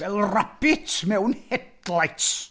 Fel rabbit mewn headlights.